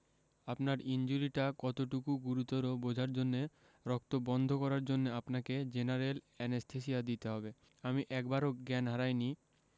আপনার ইনজুরিটা কতটুকু গুরুতর বোঝার জন্যে রক্ত বন্ধ করার জন্যে আপনাকে জেনারেল অ্যানেসথেসিয়া দিতে হবে আমি একবারও জ্ঞান হারাইনি